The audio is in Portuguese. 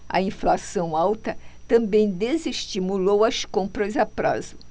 a inflação alta também desestimulou as compras a prazo